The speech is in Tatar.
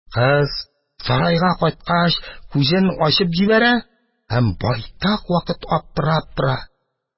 Кыз, сарайга кайткач, күзен ачып җибәрә һәм байтак вакыт аптырап тора.